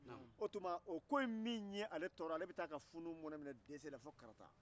o tuma ale bɛ taa a ka funu mɔne bɔ dese la fo karata